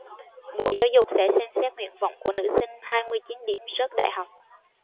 bộ giáo dục sẽ xem xét nguyện vọng của nữ sinh hai mươi chín điểm rớt đại học